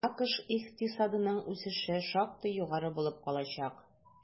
АКШ икътисадының үсеше шактый югары булып калачак.